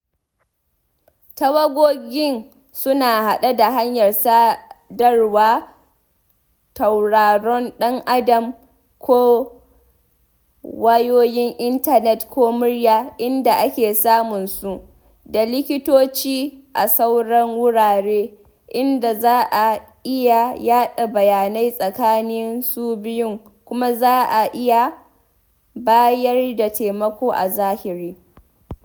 Tawagogin suna haɗe ta hanyar sadarwar tauraron dan-Adam ko wayoyin intanet ko murya (inda ake samun su) da likitoci a sauran wurare, inda za a iya yaɗa bayanai tsakanin su biyun kuma za a iya bayar da taimako a zahiri.